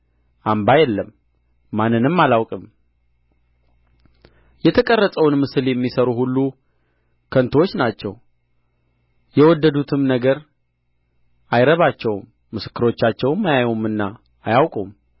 አምባ የለም ማንንም አላውቅም የተቀረጸውን ምስል የሚሠሩ ሁሉ ከንቱዎች ናቸው የወደዱትም ነገር አይረባቸውም ምስክሮቻቸውም አያዩምና አያውቁም